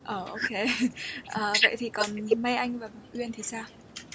ờ ô kê vậy thì còn mai anh và uyên thì sao